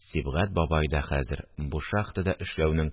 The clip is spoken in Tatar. Сибгать бабай да хәзер бу шахтада эшләүнең